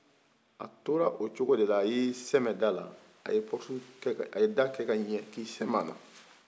a tora o cogo de la a yi sɛmɛ da la a ye porte a ye da kɛ ka ɲɛ ki sɛmɛ la